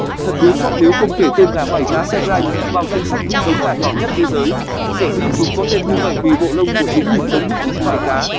thật thiếu sót nếu không kể tên gà vảy cá sebright vào danh sách những giống gà nhỏ nhất thế giới sở dĩ chúng có tên như vậy bì bộ lông của chúng nhìn giống những chiếc vảy cá